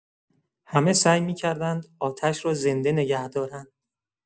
همه سعی می‌کردند آتش را زنده نگه دارند.